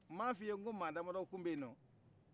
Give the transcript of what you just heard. ma fiye ko mɔgɔ dama dɔ tun beyi nɔ